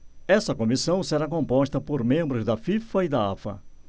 essa comissão será composta por membros da fifa e da afa